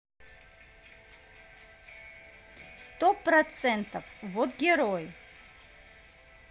сто процентов вот герой